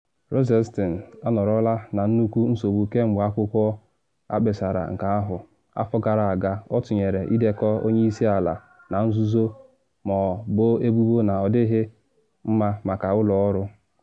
Rosenstein anọrọla na nnukwu nsogbu kemgbe akwụkwọ a kpesara nke ahụ, afọ gara aga, ọ tụnyere ịdekọ onye isi ala na nzuzo ma boo ebubo na ọ dịghị mma maka ụlọ ọrụ.